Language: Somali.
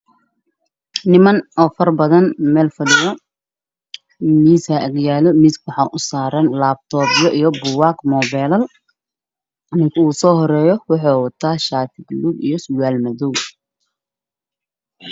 Halkaan waxaa ka muuqdo rag badan oo meel qol ah fadhiyo waxaana yaalo miis maro cad ay saaran tahay iyo kuraas guduudan miskana waxaa u saaran laptops 💻 iyo buugaag